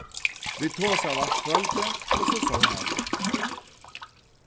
vit tosaðu alt kvøldið og so sovnaðu vit